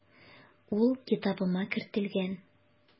Ул китабыма кертелгән.